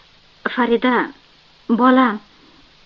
farida bolam